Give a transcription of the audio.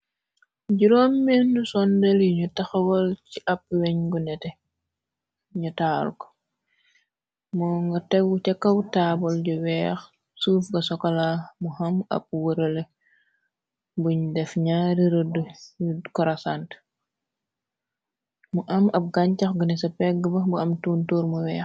Jiróom mendu sondel yuñu taxawal ci ab weñ gunete, ñu taaluk, moo nga tegu ca kaw taabal ju weex, suuf ga sokola, mu xam ab wërale buñ def ñaari rëdd yu korasant, mu am ab gañcax gu ne sa pegg bax, bu am tuntuur mu weex.